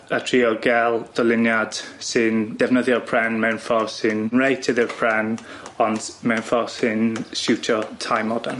a trio ga'l dyluniad sy'n defnyddio'r pren mewn ffor sy'n reit iddi'r pren ond mewn ffor sy'n siwtio tai modern.